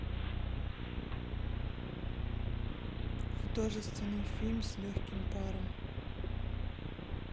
художественный фильм с легким паром